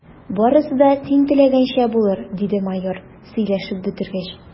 Барысы да син теләгәнчә булыр, – диде майор, сөйләшеп бетергәч.